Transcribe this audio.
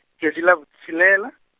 tšatši la botshelela.